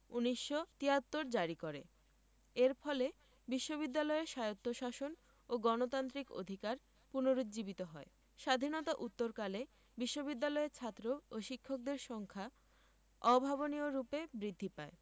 ১৯৭৩ জারি করে এর ফলে বিশ্ববিদ্যালয়ে স্বায়ত্তশাসন ও গণতান্ত্রিক অধিকার পুনরুজ্জীবিত হয় স্বাধীনতা উত্তরকালে বিশ্ববিদ্যালয়ে ছাত্র ও শিক্ষকদের সংখ্যা অভাবনীয়রূপে বৃদ্ধি পায়